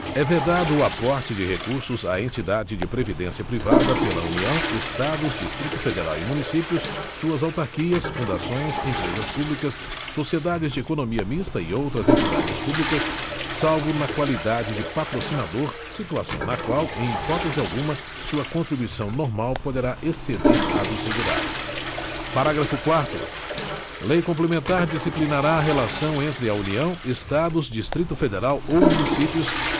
é vedado o aporte de recursos a entidade de previdência privada pela união estados distrito federal e municípios suas autarquias fundações empresas públicas sociedades de economia mista e outras entidades públicas salvo na qualidade de patrocinador situação na qual em hipótese alguma sua contribuição normal poderá exceder a do segurado parágrafo quarto lei complementar disciplinará a relação entre a união estados distrito federal ou municípios